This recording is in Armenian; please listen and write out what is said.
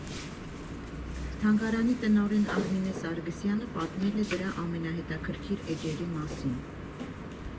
Թանգարանի տնօրեն Արմինե Սարգսյանը պատմել է դրա ամենահետաքրքիր էջերի մասին։